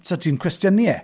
So ti'n cwestiynu e.